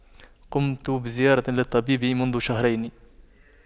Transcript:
قمت بزيارة للطبيب منذ شهرين